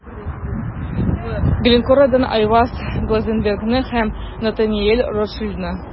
Glencore'дан Айван Глазенбергны һәм Натаниэль Ротшильдны.